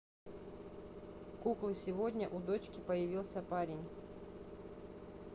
куклы сегодня у дочки появился парень